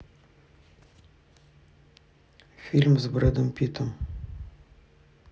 фильмы с брэдом питтом